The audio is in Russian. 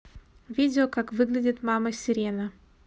видео как выглядит мама сирена